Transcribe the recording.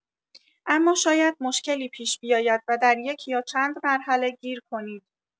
اما شاید مشکلی پیش بیاید و دریک یا چند مرحله گیر کنید.